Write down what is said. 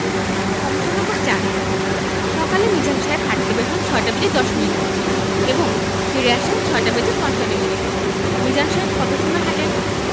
সমস্যা নম্বর ৪ সকালে মিজান সাহেব হাঁটতে বের হন ৬টা বেজে ১০ মিনিটে এবং ফিরে আসেন ৬টা বেজে পঞ্চান্ন মিনিটে মিজান সাহেব কত সময় হাঁটেন